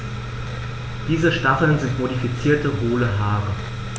Diese Stacheln sind modifizierte, hohle Haare.